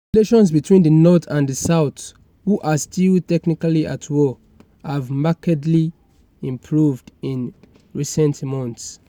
Relations between the North and the South - who are still technically at war - have markedly improved in recent months.